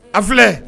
A filɛ